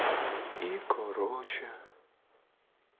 и короче